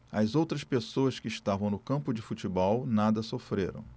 as outras pessoas que estavam no campo de futebol nada sofreram